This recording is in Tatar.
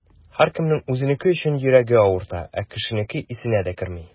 Һәркемнең үзенеке өчен йөрәге авырта, ә кешенеке исенә дә керми.